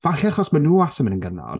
Falle achos maen nhw wastad yn mynd yn gynnar.